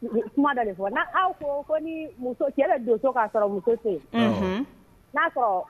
Kuma fɔ n' ko ko ni muso kɛlɛ donso k'a sɔrɔ muso n'a